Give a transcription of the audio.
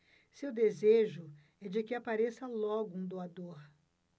seu desejo é de que apareça logo um doador